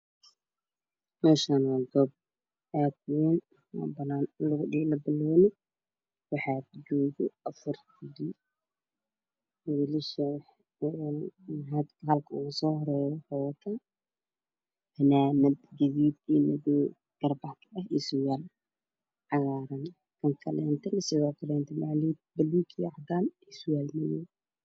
Meeshaan waa goob aad uwayn oo banaan oo lagu dheelo banooni waxaa joogo afar wiil wiilshaas halka ugu soo horeeyo waxa uu wataa funanad guduud iyo madow garbaha cades ka ah iyo surwaal cagaaran kan kaleeto sidookaleeto maliyad bulug iyo cadan iyo surwaal madow ah